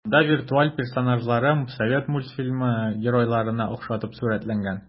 Анда виртуаль тур персонажлары совет мультфильмы геройларына охшатып сурәтләнгән.